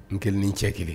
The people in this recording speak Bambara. N kelen ni cɛ kelen